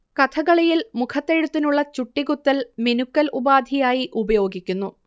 കഥകളിയിൽ മുഖത്തെഴുത്തിനുള്ള ചുട്ടികുത്തൽ മിനുക്കൽ ഉപാധിയായി ഉപയോഗിക്കുന്നു